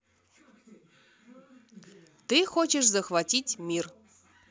ты хочешь захватить мир